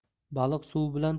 baliq suv bilan